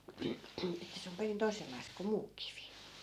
että se on perin toisenlaista kuin muu kivi